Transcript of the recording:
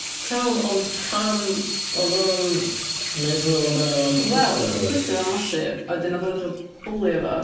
Cawn, ond pam oeddan nhw'n wneud hwyl amdano fo am bod clustiau... Wel, achos oedd clustiau fo'n massive a wedyn oedden nhw'n dechrau bwlio fo.